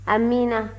amiina